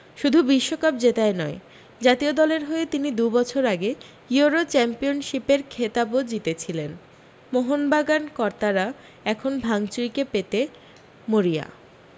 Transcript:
শুধু বিশ্বকাপ জেতাই নয় জাতীয় দলের হয়ে তিনি দুবছর আগে ইউরো চ্যাম্পিয়নশিপের খেতাবও জিতেছিলেন মোহনবাগান কর্তারা এখন ভাইচুংকে পেতে মরিয়া